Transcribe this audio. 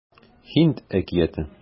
Һинд әкияте